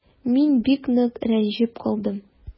Мин бик нык рәнҗеп калдым.